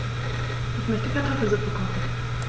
Ich möchte Kartoffelsuppe kochen.